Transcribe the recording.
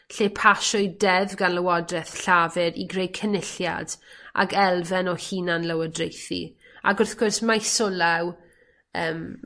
lle pasiwyd deddf gan Lywodreth Llafur i greu cynulliad ag elfen o hunan lywodraethu ag wrth gwrs maes o law yym